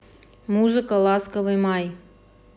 музыка ласковый май